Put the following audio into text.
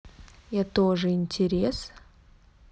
я тоже интерес